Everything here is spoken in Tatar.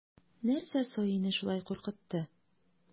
Нәрсә саине шулай куркытты?